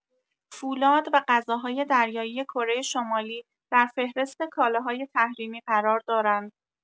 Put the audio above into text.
فولاد و غذاهای دریایی کره‌شمالی در فهرست کالاهای تحریمی قرار دارند.